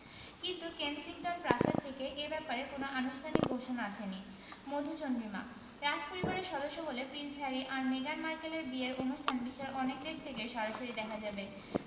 কিন্তু কেনসিংটন প্রাসাদ থেকে এ ব্যাপারে কোনো আনুষ্ঠানিক ঘোষণা আসেনি মধুচন্দ্রিমা রাজপরিবারের সদস্য বলে প্রিন্স হ্যারি আর মেগান মার্কেলের বিয়ের অনুষ্ঠান বিশ্বের অনেক দেশ থেকেই সরাসরি দেখা যাবে